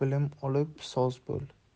bilim olib soz bo'l